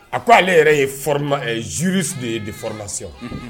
A ko ale yɛrɛ ziuru de ye de forola